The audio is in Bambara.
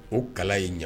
O kala ye ɲɛ